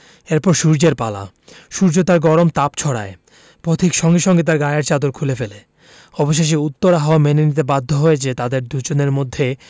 এর পর সূর্যের পালা সূর্য তার গরম তাপ ছড়ায় পথিক সঙ্গে সঙ্গে তার গায়ের চাদর খুলে ফেলে অবশেষে উত্তর হাওয়া মেনে নিতে বাধ্য হয় যে তাদের দুজনের মধ্যে